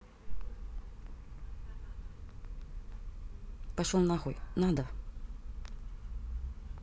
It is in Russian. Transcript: пошел нахуй надо